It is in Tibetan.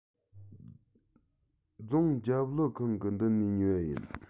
རྫོང རྒྱབ ཀླུ ཁང གི མདུན ནས ཉོས པ ཡིན